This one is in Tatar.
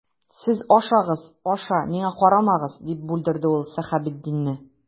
Сез ашагыз, аша, миңа карамагыз,— дип бүлдерде ул Сәхәбетдинне.